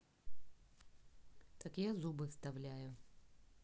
так я зубы вставляю